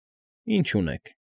Ի՞նչ ունեք։